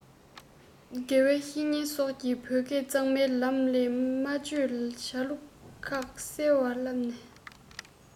དགེ བའི བཤེས གཉེན སོགས ཀྱི བོད སྐད གཙང མའི ལམ ལས སྨྲ བརྗོད བྱ ལུགས ཁ གསལ བསླབ ནས